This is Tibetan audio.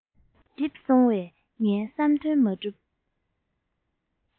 འཇིབས སོང བས ངའི བསམ དོན མ གྲུབ